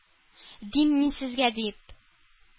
Дим мин сезгә?..- дип,